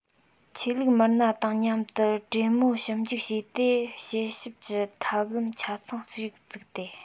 ཆོས ལུགས མི སྣ དང མཉམ དུ གྲོས མོལ ཞིབ འཇུག བྱས ཏེ དཔྱད ཞིབ ཀྱི ཐབས ལམ ཆ ཚང ཞིག བཙུགས ཏེ